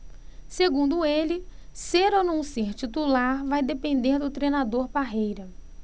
segundo ele ser ou não titular vai depender do treinador parreira